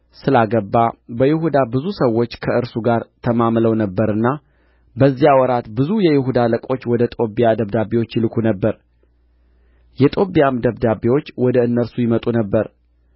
ስላገባ በይሁዳ ብዙ ሰዎች ከእርሱ ጋር ተማምለው ነበርና በዚያ ወራት ብዙ የይሁዳ አለቆች ወደ ጦብያ ደብዳቤዎች ይልኩ ነበር የጦብያም ደብዳቤዎች ወደ እነርሱ ይመጡ ነበር